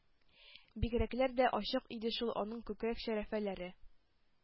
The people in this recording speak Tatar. Бигрәкләр дә ачык иде шул аның күкрәк-шәрәфләре!